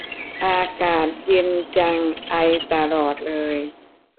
อากาศเย็นจังไอตลอดเลย